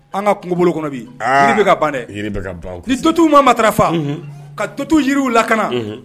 Anw ka kungo bolo kɔnɔ bi, jiriw bɛ ka ban, aa yiriw bɛ ka ban dɛ, ni dotuw ma matarafa, ka dotu yiriw lakana